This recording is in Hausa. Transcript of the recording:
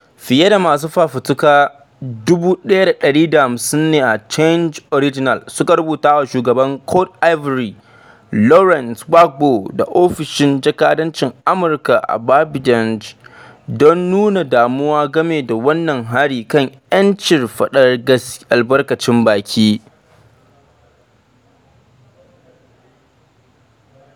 Fiye da masu fafutuka 1,150 ne a Change.org suka rubuta wa Shugaban Côte d'Ivoire Laurent Gbagbo da Ofishin Jakadancin Amurka a Abidjan don nuna damuwa game da wannan hari kan ‘yancin faɗar albarkacin baki.